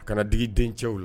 A kana na digi dencɛw la